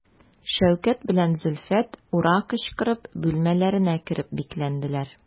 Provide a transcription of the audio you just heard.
Шәүкәт белән Зөлфәт «ура» кычкырып бүлмәләренә кереп бикләнделәр.